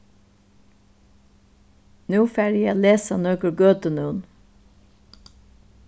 nú fari eg at lesa nøkur gøtunøvn